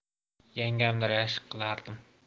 yangamni rashk qilardim